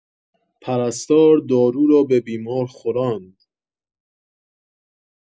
پرستار دارو را به بیمار خوراند